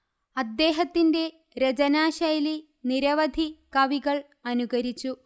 അദ്ദേഹത്തിന്റെ രചനാശൈലി നിരവധി കവികൾ അനുകരിച്ചു